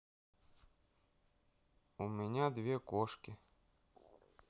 у меня две кошки